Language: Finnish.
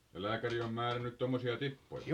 ja lääkäri on määrännyt tuommoisia tippoja